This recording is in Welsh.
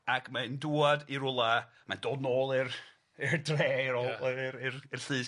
Ac mae'n dŵad i rywle mae'n dod nôl i'r i'r dre i'r ôl... Ia. Oe- i'r i'r i'r llys